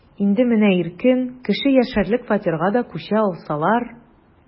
Инде менә иркен, кеше яшәрлек фатирга да күчә алсалар...